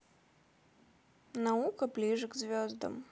наука ближе к звездам